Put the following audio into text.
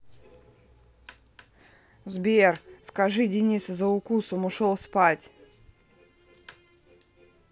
сбер скажи дениса за укусом ушел спать